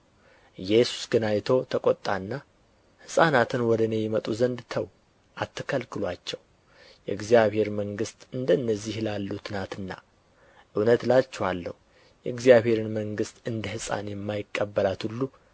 ኢየሱስ ግን አይቶ ተቈጣና ሕፃናትን ወደ እኔ ይመጡ ዘንድ ተዉ አትከልክሉአቸው የእግዚአብሔር መንግሥት እንደነዚህ ላሉት ናትና እውነት እላችኋለሁ የእግዚአብሔርን መንግሥት እንደ ሕፃን የማይቀበላት ሁሉ